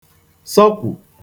sọkwù